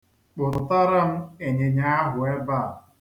Kpụtara m ịnyịnya ahụ ebe a!